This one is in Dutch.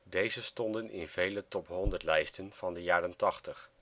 Deze stonden in vele Top-100-lijsten van de jaren tachtig